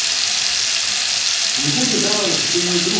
не буду жаловаться ты мой друг